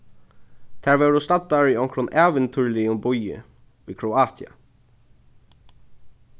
tær vóru staddar í onkrum ævintýrligum býi í kroatia